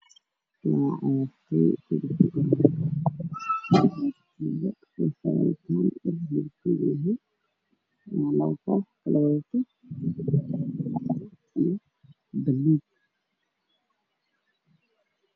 Waa garoon lagu ciyaarayo banooni waxaa dheelaya wiilal wata fanaanad buluug fanaanad guduud dad ayaa daawanayo